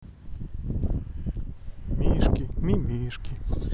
мишки мимишки